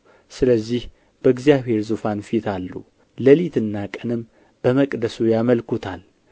ስለዚህ በእግዚአብሔር ዙፋን ፊት አሉ ሌሊትና ቀንም በመቅደሱ ያመልኩታል